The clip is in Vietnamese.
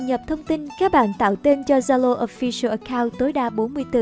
trong phần nhập thông các bạn tin tạo tên cho zalo official account